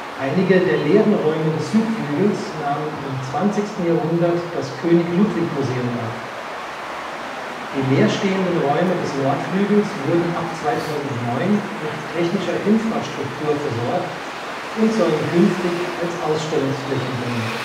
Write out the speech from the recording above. Einige der leeren Räume des Südflügels nahmen im 20. Jahrhundert das König-Ludwig-Museum auf. Die leerstehenden Räume des Nordflügels wurden ab 2009 mit technischer Infrastruktur versorgt und sollen künftig als Ausstellungsflächen dienen